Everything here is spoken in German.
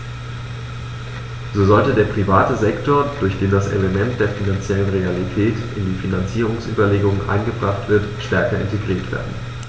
So sollte der private Sektor, durch den das Element der finanziellen Realität in die Finanzierungsüberlegungen eingebracht wird, stärker integriert werden.